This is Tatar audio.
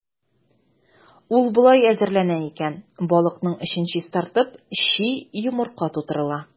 Ул болай әзерләнә икән: балыкның эчен чистартып, чи йомырка тутырыла.